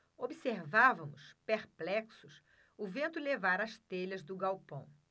observávamos perplexos o vento levar as telhas do galpão